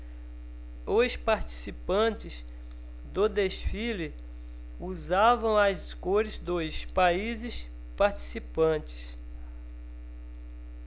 os participantes do desfile usavam as cores dos países participantes